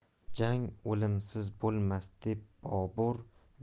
jang o'limsiz bo'lmas deb bobur